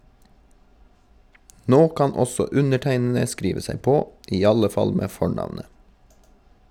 Nå kan også undertegnede skrive seg på - i alle fall med fornavnet.